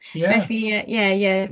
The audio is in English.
Ie... Felly, yeah yeah